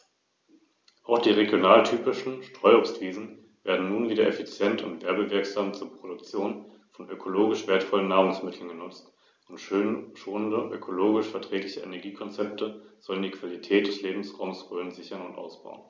Die Stacheligel haben als wirksame Verteidigungswaffe Stacheln am Rücken und an den Flanken (beim Braunbrustigel sind es etwa sechs- bis achttausend).